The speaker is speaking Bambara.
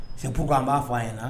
Seuru an b'a fɔ a ɲɛna na